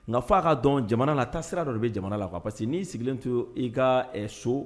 Nka' a ka dɔn jamana la a ta sira dɔ de bɛ jamana la parce que n'i sigilen t i ka so